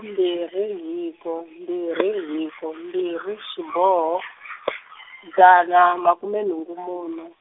mbirhi hiko mbirhi hiko mbirhi xiboho, dzana makume nhungu mune.